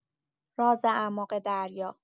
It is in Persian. راز اعماق دریا